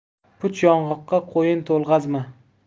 puch yong'oqqa qo'yin to'lg'azma